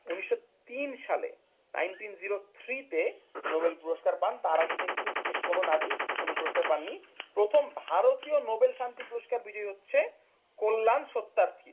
1903 সালে নোবেল পুরস্কার পান তার আগে কিন্তু কোন নারী নোবেল পুরস্কার পাননি প্রথম ভারতীয় নোবেল শান্তি পুরস্কার বিজয়ী হচ্ছে কল্যান সত্যার্থী